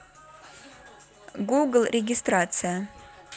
google регистрация